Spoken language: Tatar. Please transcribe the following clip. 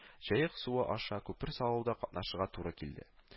Җаек суы аша күпер салуда катнашырга туры килде